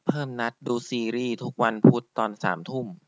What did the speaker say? เพิ่มนัดดูซีรีย์ทุกวันพุธตอนสามทุ่ม